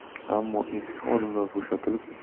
ammo eski xodimlar bo'shatilib